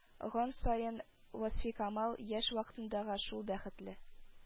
Ган саен, васфикамал, яшь вакытындагы шул бәхетле